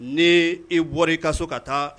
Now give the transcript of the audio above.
Ni e bɔra i ka so ka taa